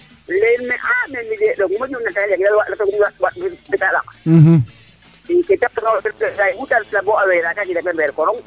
im leyin me a mi de roog moƴu